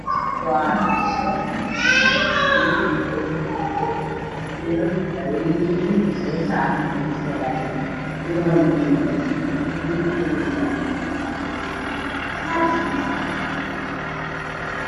Waxaa ii muuqda dhiil midabkeedu yahay qaxwi waxaa ag yaalla hal mooyo waxay dul saaran yihiin miis caddaan